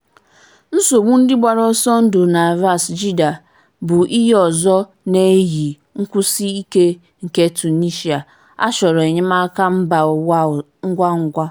Nsogbu ndị gbara ọsọ ndụ na ras jdir bụ ihe ọzọ na-eyi nkwụsi ike nke Tunisia - a chọrọ enyemaka mba ụwa ngwa ngwa.